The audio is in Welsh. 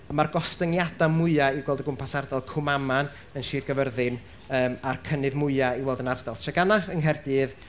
Ma'r gostyngiadau mwya i'w gweld y gwmpas ardal Cwmaman yn Sir Gaerfyrddin yym a'r cynnydd mwya i'w weld yn ardal Treganna yng Nghaerdydd,